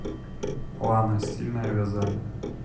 лана стильное вязание